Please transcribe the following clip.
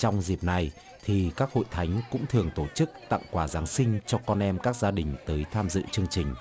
trong dịp này thì các hội thánh cũng thường tổ chức tặng quà giáng sinh cho con em các gia đình tới tham dự chương trình